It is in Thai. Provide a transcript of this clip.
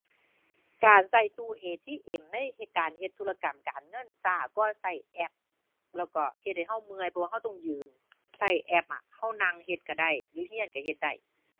การใช้ตู้ ATM ในที่การเฮ็ดธุรกรรมการเงินใช้กว่าใช้แอป แล้วก็เฮ็ดให้ใช้เมื่อยเพราะว่าใช้ต้องยืน ใช้แอปอะใช้นั่งเฮ็ดใช้ได้อยู่ใช้ใช้เฮ็ดได้